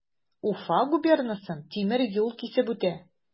Уфа губернасын тимер юл кисеп үтә.